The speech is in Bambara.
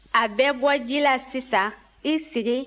a bɛ bɔ ji la sisan i sigi